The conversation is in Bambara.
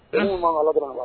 Ala b